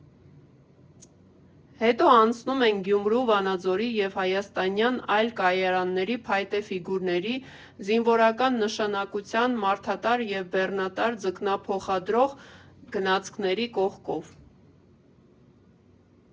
Հետո անցնում ենք Գյումրու, Վանաձորի և հայաստանյան այլ կայարանների փայտե ֆիգուրների, զինվորական նշանակության, մարդատար և բեռնատար (ձկնափոխադրող) գնացքների կողքով։